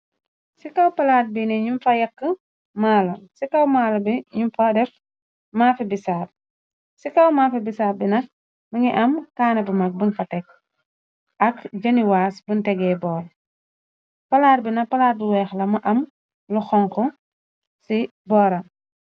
Ci kaw palaat bi n ñu faek mala ci kaw mala bi ñu fa def mafe bisaab ci kaw mafe bisaar bina nangi am kaane bu mag bunxatek ak jëni waas buntegee boor. Palaat bina palaat bi weex lama am lu xonk ci boora.